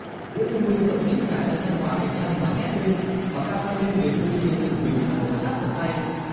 giữa cái mương rộng trước nhà đang chan hòa ánh trăng mà hét lên mà ca vang lên niềm vui sướng của mình bằng một bài hát thật hay